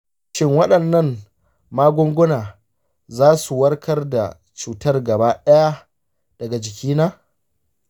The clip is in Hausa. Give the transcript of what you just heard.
shin waɗannan magunguna za su warkar da cutar gaba ɗaya daga jikina?